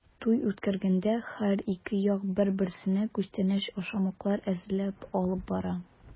Туй үткәргәндә һәр ике як бер-берсенә күчтәнәч-ашамлыклар әзерләп алып бара.